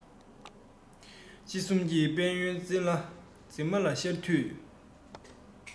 དཔྱིད གསུམ གྱི དཔལ ཡོན འཛིན མ ལ ཤར དུས